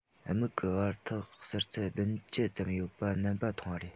མིག གི བར ཐག ཟུར ཚད བདུན བཅུ ཙམ ཡོད པར མནན པ མཐོང བ རེད